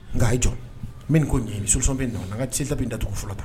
Nka a ye jɔ min ko ɲɛ ni sosɔn bɛ yen nɔ na n ka tɛ ci la bɛ da dugu fɔlɔ tan